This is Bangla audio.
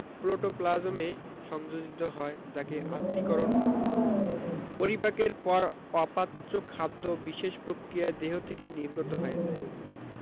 প্রোটোপ্লাজমে সংযোজিত হয় যাকে আত্তীকরণ বলে পরিপাকের পর অপাচ্য খাদ্য বিশেষ প্রক্রিয়ায় দেহ থেকে নির্গত হয়ে যায়